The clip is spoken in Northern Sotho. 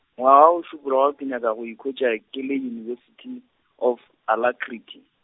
ngwaga wo o šupologago ke nyaka go ikhwetša ke le University, of Alacrity.